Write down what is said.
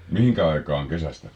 mihin aikaan kesästä